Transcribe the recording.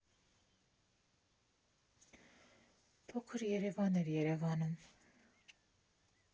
Փոքր Երևան էր՝ Երևանում։